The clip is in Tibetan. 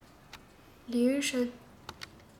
ལིའུ ཡུན ཧྲན